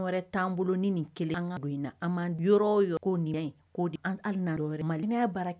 Yɔrɔ wɛrɛ t'an wɛrɛ t'an bolo ni ni kelen tɛ , an